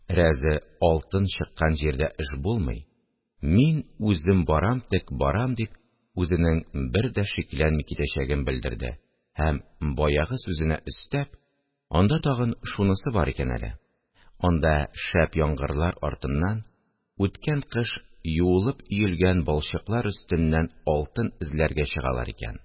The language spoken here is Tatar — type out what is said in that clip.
Рәзе алтын чыккан җирдә эш булмый, мин үзем барам тек барам! – дип, үзенең бер дә шикләнми китәчәген белдерде һәм, баягы сүзенә өстәп: – Анда тагын шунысы бар икән әле: анда шәп яңгырлар артыннан, үткән кыш юылып өелгән балчыклар өстеннән алтын эзләргә чыгалар икән